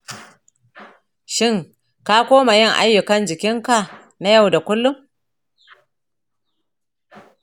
shin ka koma yin ayyukan jikinka na yau da kullum?